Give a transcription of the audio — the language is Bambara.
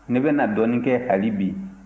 ne bɛna dɔɔnin kɛ hali bi